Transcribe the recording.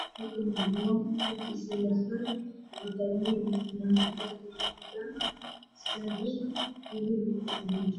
Waa garoon waxaa bannaan ku ciyaaraya wiilal wataan fanaanado guduud iyo cadaan ah